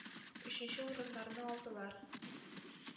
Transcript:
Өченче урыннарны алдылар.